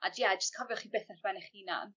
...a j- ie jyst cofio chi byth ar ben 'ych hunan